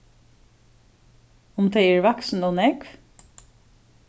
um tey eru vaksin ov nógv